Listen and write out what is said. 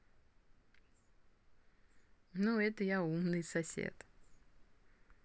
ну это я умный сосед